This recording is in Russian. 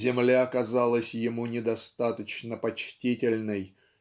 Земля казалась ему недостаточно почтительной